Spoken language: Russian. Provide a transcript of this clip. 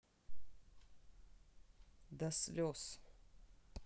до слез